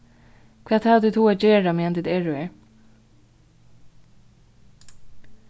hvat hava tit hug at gera meðan tit eru her